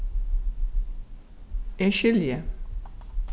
eg skilji